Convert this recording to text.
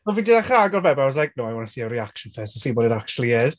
O fi 'di dechrau agor fe but I was like, no I want to see her reaction first to see what it actually is.